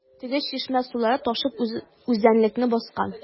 Теге чишмә сулары ташып үзәнлекне баскан.